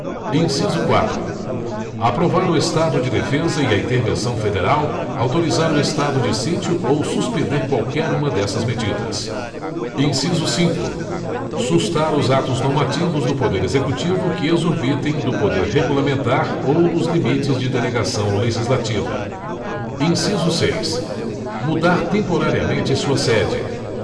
inciso quatro aprovar o estado de defesa e a intervenção federal autorizar o estado de sítio ou suspender qualquer uma dessas medidas inciso cinco sustar os atos normativos do poder executivo que exorbitem do poder regulamentar ou dos limites de delegação legislativa inciso seis mudar temporariamente sua sede